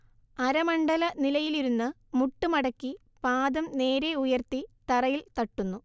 അരമണ്ഡല നിലയിലിരുന്ന് മുട്ട് മടക്കി പാദം നേരെ ഉയർത്തി തറയിൽ തട്ടുന്നു